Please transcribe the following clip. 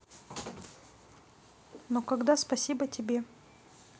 но когда спасибо тебе